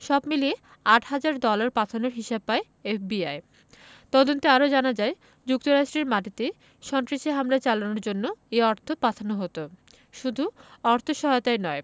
সব মিলিয়ে আট হাজার ডলার পাঠানোর হিসাব পায় এফবিআই তদন্তে আরও জানা যায় যুক্তরাষ্ট্রের মাটিতে সন্ত্রাসী হামলা চালানোর জন্য এই অর্থ পাঠানো হতো শুধু অর্থসহায়তাই নয়